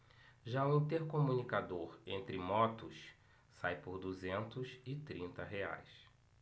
já o intercomunicador entre motos sai por duzentos e trinta reais